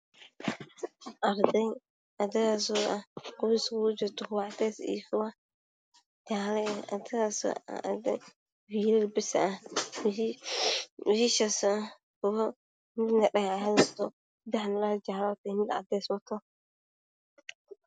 Waa arday iskugu jirto kuwa cadeys ah iyo kuwa jaale ah, oo wiilal ah mid dha caadi wato, labona dhar jaale midna dhar cadeys ah.